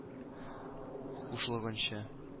Хушлаганчы